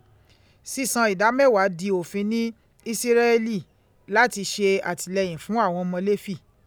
Sísan ìdámẹ́wà di òfin ní Ísíráélì láti ṣe àtìlẹ́hìn fún àwọn ọmọ Léfì.